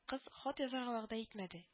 Кыз хат язарга вәгъдә итмәде